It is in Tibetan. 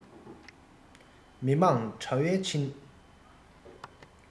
མི དམངས དྲ བའི འཕྲིན